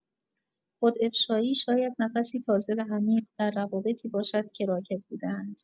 خودافشایی شاید نفسی تازه و عمیق در روابطی باشد که راکد بوده‌اند.